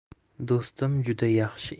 do'stim juda yaxshi